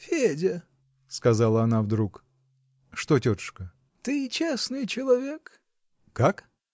-- Федя, -- сказала она вдруг. -- Что, тетушка? -- Ты честный человек? -- Как?